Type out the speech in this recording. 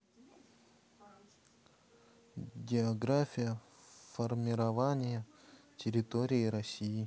география формирования территории россии